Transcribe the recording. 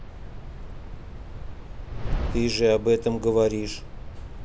ты же об этом говоришь